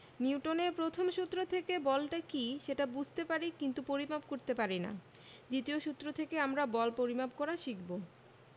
নিউটনের প্রথম সূত্র থেকে বলটা কী সেটা বুঝতে পারি কিন্তু পরিমাপ করতে পারি না দ্বিতীয় সূত্র থেকে আমরা বল পরিমাপ করা শিখব